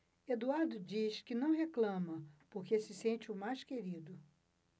eduardo diz que não reclama porque se sente o mais querido